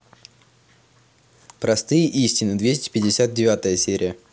простые истины двести пятьдесят девятая серия